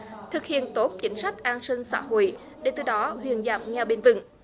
thực hiện tốt chính sách an sinh xã hội để từ đó huyện giảm nghèo bền vững